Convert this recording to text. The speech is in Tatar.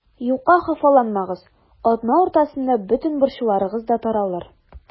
Юкка хафаланмагыз, атна уртасында бөтен борчуларыгыз да таралыр.